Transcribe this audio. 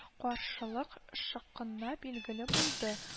Каршылык шыккына билгеле булды